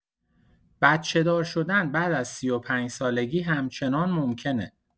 بچه‌دار شدن بعد از ۳۵ سالگی همچنان ممکنه!